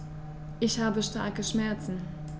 Ich habe starke Schmerzen.